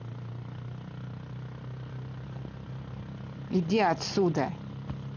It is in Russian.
иди отсюда